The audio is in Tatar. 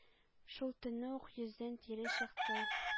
Шул төнне үк йөздән тире чыкты,